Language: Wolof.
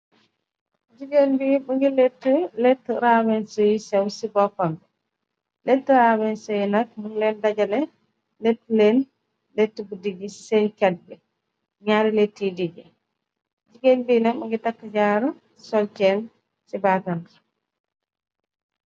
Jigéen bi më ngi lett lett rawensey yu sew ci boppam bi. Lett rawensey yi nak mën leen dajale, lett leen lett bu digi ci seen chat bi, ñaari lett yu diji. Jigéen bi nak mëngi takk jaar sol cheen ci baatam.